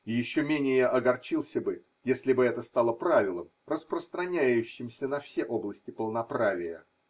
И еще менее огорчился бы, если бы это стало правилом, распространяющимся на все области полноправия.